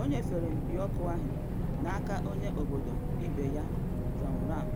Ọ nyefere mpịọkụ ahụ n’aka onye obodo ibe ya John Ram